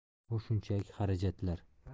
bu shunchaki xarajatlar